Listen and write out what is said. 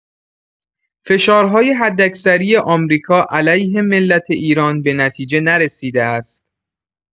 فشارهای حداکثری آمریکا علیه ملت ایران به نتیجه نرسیده است.